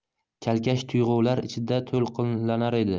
chalkash tuyg'ular ichida to'lqinlanar edi